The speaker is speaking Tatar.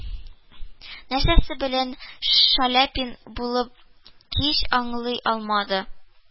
Нәрсәсе белән «шаляпин» булуп һич аңлый алмады,